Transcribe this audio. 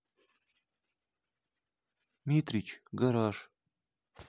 митрич гараж